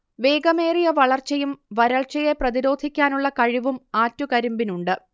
വേഗമേറിയ വളർച്ചയും വരൾച്ചയെ പ്രതിരോധിക്കാനുള്ള കഴിവും ആറ്റുകരിമ്പിനുണ്ട്